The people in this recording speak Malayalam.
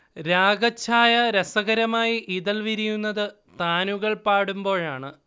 രാഗച്ഛായ രസകരമായി ഇതൾ വിരിയുന്നത് താനുകൾ പാടുമ്പോഴാണ്